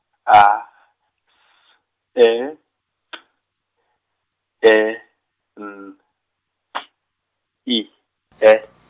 B, A, S, E, B, E, N, T, I, E.